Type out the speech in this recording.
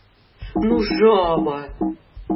ну жаба